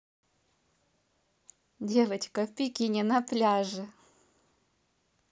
девочка в пекине на пляже